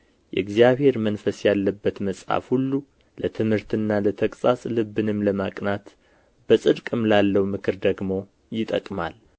የእግዚአብሔር መንፈስ ያለበት መጽሐፍ ሁሉ ለትምህርትና ለተግሣጽ ልብንም ለማቅናት በጽድቅም ላለው ምክር ደግሞ ይጠቅማል